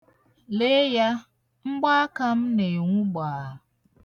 Lee ya, iyeri m na-enwu gbaa.